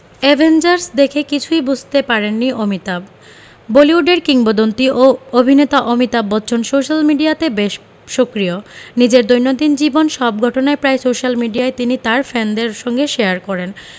Avengers দেখে কিছুই বুঝতে পারেননি অমিতাভ বলিউডের কিংবদন্তী ও অভিনেতা অমিতাভ বচ্চন সোশ্যাল মিডিয়াতে বেশ সক্রিয় নিজের দৈনন্দিন জীবনের সব ঘটনাই প্রায় সোশ্যাল মিডিয়ায় তিনি তার ফ্যানদের সঙ্গে শেয়ার করেন